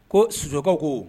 Ko sosokaw ko